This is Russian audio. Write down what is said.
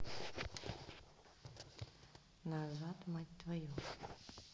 назад мать твою